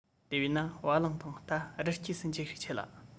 དེ བས ན བ གླང དང རྟ རི སྐྱེས སུ འགྱུར ཤས ཆེ ལ